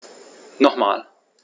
Nochmal.